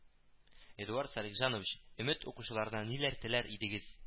Эдуард Сәлихҗанович, Өмет укучыларына ниләр теләр идегез